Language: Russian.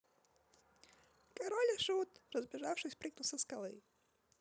король и шут разбежавшись прыгну со скалы